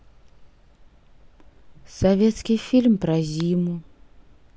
советский фильм про зиму